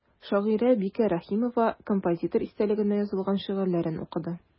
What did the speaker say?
Шагыйрә Бикә Рәхимова композитор истәлегенә язылган шигырьләрен укыды.